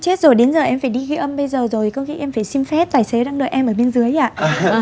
chết rồi đến giờ em phải đi ghi âm bây giờ rồi có khi em phải xin phép tài xế đang đợi em ở bên dưới ạ